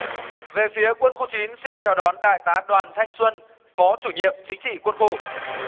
về phía quân khu chín xin được chào đón đại tá đoàn thanh xuân phó chủ nhiệm chính trị quân khu